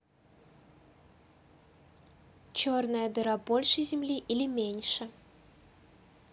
черная дыра больше земли или меньше